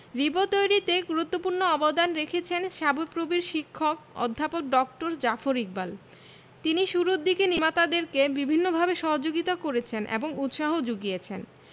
রিবো তৈরিতে গুরুত্বপূর্ণ অবদান রেখেছেন শাবিপ্রবির শিক্ষক অধ্যাপক ড জাফর ইকবাল তিনি শুরুর দিকে নির্মাতাদেরকে বিভিন্নভাবে সহযোগিতা করেছেন এবং উৎসাহ যুগিয়েছেন